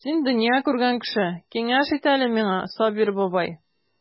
Син дөнья күргән кеше, киңәш ит әле миңа, Сабир бабай.